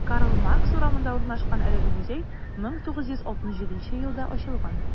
Карл Маркс урамында урнашкан әлеге музей 1967 елда ачылган.